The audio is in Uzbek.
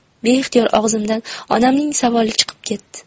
beixtiyor og'zimdan onamning savoli chiqib ketdi